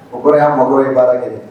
O bɔra mɔgɔ ye baara kɛ